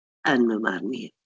Yn fy marn i.